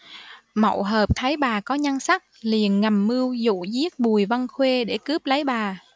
mậu hợp thấy bà có nhan sắc liền ngầm mưu dụ giết bùi văn khuê để cướp lấy bà